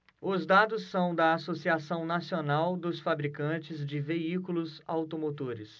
os dados são da anfavea associação nacional dos fabricantes de veículos automotores